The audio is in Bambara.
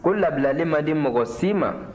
ko labilali ma di mɔgɔ si ma